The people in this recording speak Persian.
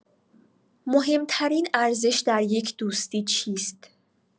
مهم‌ترین ارزش در یک دوستی چیست؟